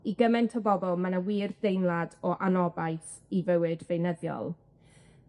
i gymaint o bobol, mae 'na wir deimlad o anobaith i fywyd beunyddiol.